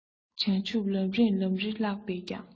བྱང ཆུབ ལམ རིམ ལན རེ བཀླགས པས ཀྱང